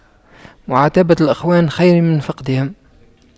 معاتبة الإخوان خير من فقدهم